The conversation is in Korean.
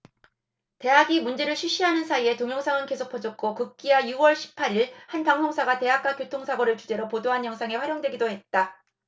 대학이 문제를 쉬쉬하는 사이에 동영상은 계속 퍼졌고 급기야 유 월 십 팔 일 한 방송사가 대학가 교통사고를 주제로 보도한 영상에 활용되기도 했다